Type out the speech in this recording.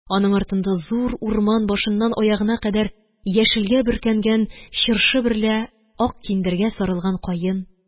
Аның артында – зур урман башыннан аягына кадәр яшелгә бөркәнгән чыршы берлә ак киндергә сарылган каен,